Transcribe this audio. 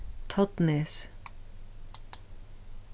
todnes